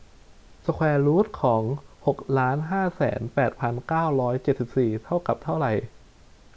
สแควร์รูทของหกล้านห้าแสนแปดพันเก้าร้อยเจ็ดสิบสี่เท่ากับเท่าไหร่